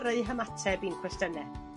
ar eu hymateb i'n cwestiyne.